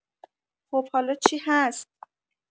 خب حالا چی هست؟